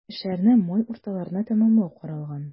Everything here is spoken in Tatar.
Эшләрне май урталарына тәмамлау каралган.